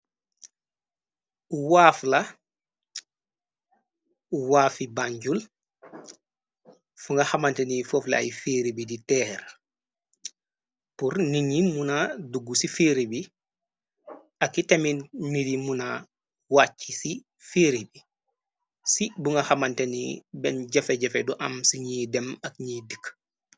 Waaa, waafi banjul, fu nga xamante ni foofla ay ferri bi di teer, pur ni ni mu na duggu ci ferri bi, ak itamin miri mu na wàcc ci ferri bi, si bu nga xamante ni benn jafe-jafe du am ci ñiy dem ak ñiy dikk.